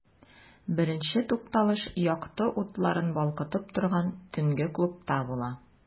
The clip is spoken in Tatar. Беренче тукталыш якты утларын балкытып торган төнге клубта була.